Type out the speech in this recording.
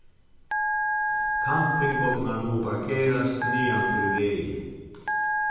kampingvognar mugu parkerast niðan fyri vegin